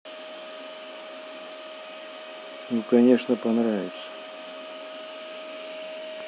ну конечно понравится